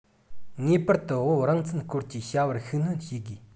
ངེས པར དུ བོད རང བཙན སྐོར གྱི བྱ བར ཤུགས སྣོན བྱེད དགོས